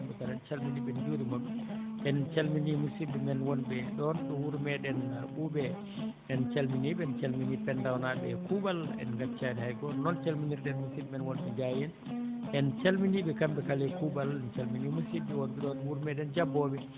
kamɓe kala en calminii ɓe en njuuriima ɓe en calminii musidɓe wonɓe ɗon ɗo wuro meeɗen ɓuuɓee en calminii ɓe en calminii ɓe en calminii Pendaw naaɓe e kuuɓal en gnaccaani hay gooto noon calminirɗen musidɓe men wonɓe gaa heen na en calminii ɓe kamɓe kala e kuuɓal en calminii musidɓe wonɓe ɗo ɗo wuro meeɗen Diabbo ɓe